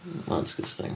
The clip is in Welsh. Ma'n disgusting.